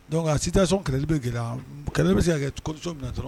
Donc a situation kɛlɛli be gɛlɛya b kɛlɛ be se ka kɛ condition min na dɔrɔn